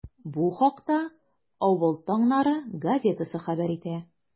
Бу хакта “Авыл таңнары” газетасы хәбәр итә.